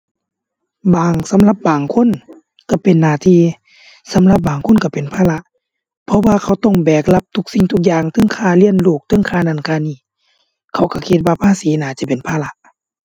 บางสำหรับบางคนก็เป็นหน้าที่ สำหรับบางคนก็เป็นภาระ เพราะว่าเขาต้องแบกรับทุกสิ่งทุกอย่าง เทิงค่าเรียนลูก เทิงค่านั่นค่านี่ เขาก็คิดว่าภาษีน่าจะเป็นภาระ